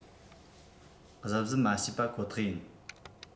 གཟབ གཟབ མ བྱས པ ཡོད ཁོ ཐག ཡིན